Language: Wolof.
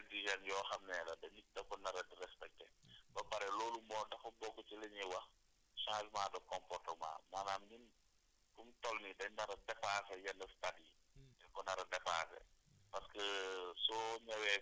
voilà très bien donc yooyu yëpp ay modèles d' hygène yoo xam ne * daf ko nar a di respecté ba pare loolu moo dafa bokk ci li ñuy wax changement de comportement maanaam ñi ñun fum toll nii dañ nar a dépassé yenn partiques